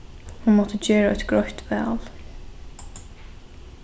hon mátti gera eitt greitt val